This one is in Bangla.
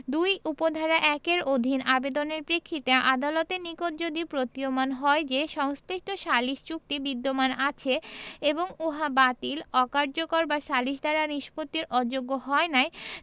২ উপ ধারা ১ এর অধীন আবেদনের প্রেক্ষিতে আদালতের নিকট যদি প্রতীয়মান হয় যে সংশ্লিষ্ট সালিস চুক্তি বিদ্যমান আছে এবং উহা বাতিল অকার্যকর বা সালিস দ্বারা নিষ্পত্তির অযোগ্য হয় নাই